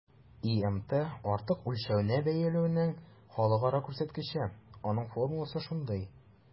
ИМТ - артык үлчәүне бәяләүнең халыкара күрсәткече, аның формуласы шундый: